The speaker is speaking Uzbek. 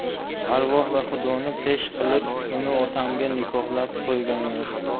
arvoh va xudoni pesh qilib uni otamga nikohlab qo'yganlar